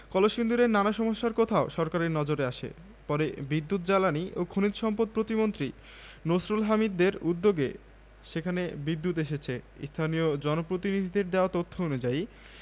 গত দুই বছরে বিদ্যুতায়ন হয়েছে কলসিন্দুরের প্রায় ৪০ কিলোমিটার এলাকা